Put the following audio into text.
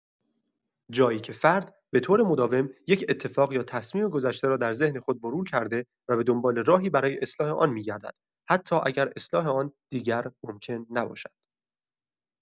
جایی که فرد به‌طور مداوم یک اتفاق یا تصمیم گذشته را در ذهن خود مرور کرده و به دنبال راهی برای اصلاح آن می‌گردد، حتی اگر اصلاح آن دیگر ممکن نباشد.